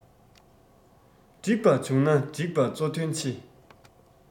འགྲིག པ བྱུང ན འགྲིགས པ གཙོ དོན ཆེ